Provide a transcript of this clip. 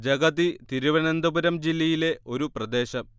ജഗതി തിരുവനന്തപുരം ജില്ലയിലെ ഒരു പ്രദേശം